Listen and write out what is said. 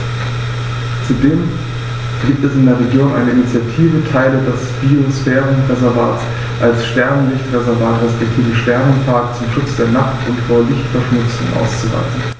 Zudem gibt es in der Region eine Initiative, Teile des Biosphärenreservats als Sternenlicht-Reservat respektive Sternenpark zum Schutz der Nacht und vor Lichtverschmutzung auszuweisen.